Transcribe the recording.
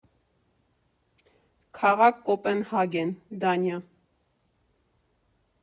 Քաղաք՝ Կոպենհագեն, Դանիա։